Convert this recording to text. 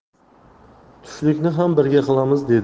tushlikni ham birga qilamiz